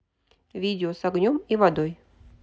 видео с огнем и водой